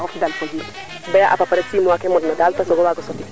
a roog moƴu yenisaay koy o perdre yenisaay perdre kiro anda calel rek